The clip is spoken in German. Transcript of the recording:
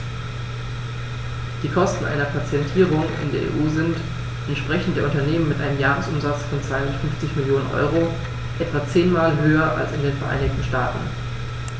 Die Kosten einer Patentierung in der EU sind, entsprechend der Unternehmen mit einem Jahresumsatz von 250 Mio. EUR, etwa zehnmal höher als in den Vereinigten Staaten.